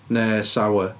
Neu sour.